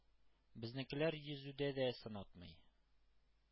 Безнекеләр йөзүдә дә сынатмый